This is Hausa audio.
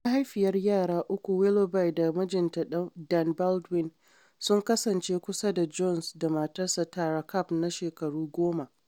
Mahaifiyar yara uku Willoughby da mijinta Dan Baldwin sun kasance kusa da Jones da matarsa Tara Capp na shekaru goma.